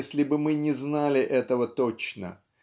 если бы мы не знали этого точно